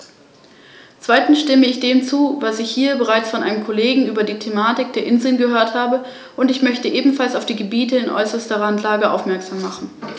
Das wäre auch erforderlich, um das Sicherheitsniveau in den nördlichen Regionen beizubehalten.